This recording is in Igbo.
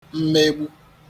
mmegbu